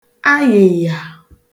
ayị̀yà